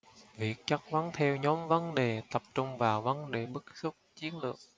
việc chất vấn theo nhóm vấn đề tập trung vào vấn đề bức xúc chiến lược